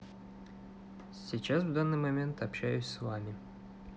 сейчас в данный момент общаюсь с вами